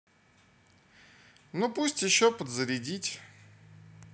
ну пусть еще подзарядить